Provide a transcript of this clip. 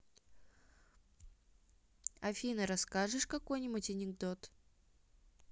афина расскажешь какой нибудь анекдот